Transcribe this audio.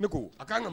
Ne ko a kan ka m